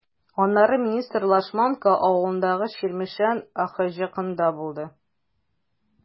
Аннары министр Лашманка авылындагы “Чирмешән” АХҖКында булды.